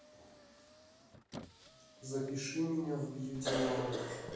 запиши меня в бьюти лаундж